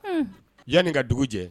Unh, yanni ka dugu jɛ